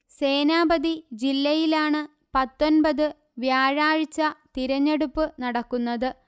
സേനാപതി ജില്ലയിലാണ് പത്തൊൻപത് വ്യാഴാഴ്ച തിരഞ്ഞെടുപ്പ് നടക്കുന്നത്